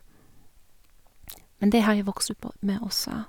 Men det har jeg vokst opp på med også.